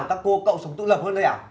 các cô cậu sống tự lập hơn đây hả